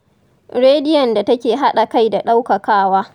Rediyon da take haɗa kai da ɗaukakawa